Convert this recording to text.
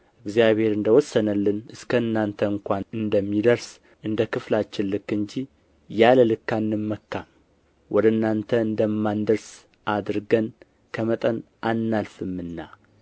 እግዚአብሔር እንደ ወሰነልን እስከ እናንተ እንኳ እንደሚደርስ እንደ ክፍላችን ልክ እንጂ ያለ ልክ አንመካም ወደ እናንተ እንደማንደርስ አድርገን ከመጠን አናልፍምና